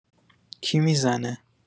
کی می‌زنه؟